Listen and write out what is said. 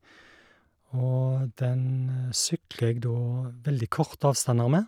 Og den sykler jeg da veldig korte avstander med.